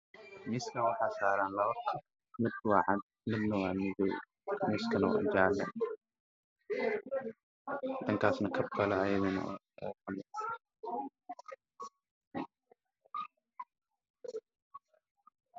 Waa miis waxaa saaran laba kabood oo ah kaba nin oo madow iyo caddaan ah